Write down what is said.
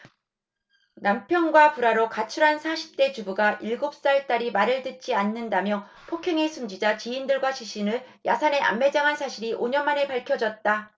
남편과 불화로 가출한 사십 대 주부가 일곱 살 딸이 말을 듣지 않는다며 폭행해 숨지자 지인들과 시신을 야산에 암매장한 사실이 오 년만에 밝혀졌다